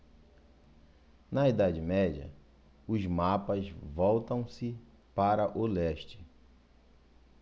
na idade média os mapas voltam-se para o leste